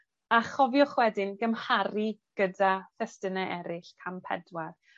A chofiwch wedyn gymharu gyda thestune eryll. Cam pedwar.